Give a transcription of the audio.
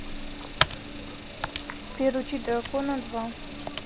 приручить дракона два